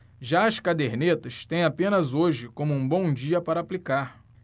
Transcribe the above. já as cadernetas têm apenas hoje como um bom dia para aplicar